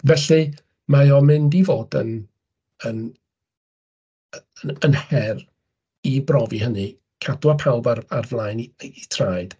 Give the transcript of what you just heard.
Felly mae o'n mynd i fod yn yn yn her i brofi hynny, cadwa pawb ar flaen eu traed.